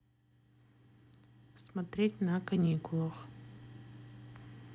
смотреть на каникулах